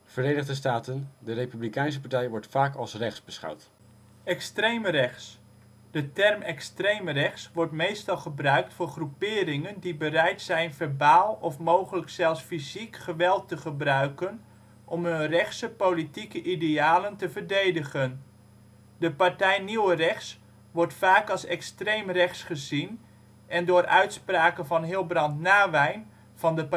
Verenigde Staten: de Republikeinse Partij wordt vaak als " rechts " beschouwd. De term ‘extreem rechts’ wordt meestal gebruikt voor groeperingen die bereid zijn verbaal of mogelijk zelfs fysiek geweld te gebruiken om hun rechtse politieke idealen te verdedigen. De partij Nieuw Rechts wordt vaak als ' extreem rechts ' gezien, en door recente uitspraken van Hilbrand Nawijn van de